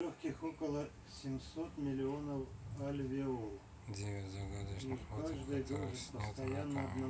девять загадочных фото которые сняты на камеру